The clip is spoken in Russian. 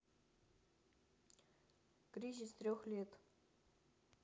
кризис трех лет